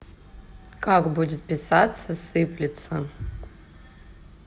как будет писаться сыплиться